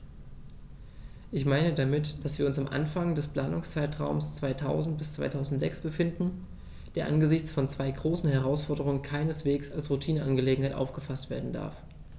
Ich meine damit, dass wir uns am Anfang des Planungszeitraums 2000-2006 befinden, der angesichts von zwei großen Herausforderungen keineswegs als Routineangelegenheit aufgefaßt werden darf.